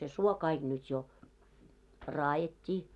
se suo kaikki nyt jo raadettiin